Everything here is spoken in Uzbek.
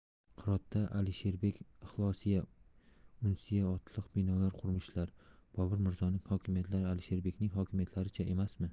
hirotda alisherbek ixlosiya unsiya otliq binolar qurmishlar bobur mirzoning hokimiyatlari alisherbekning hokimiyatlaricha emasmi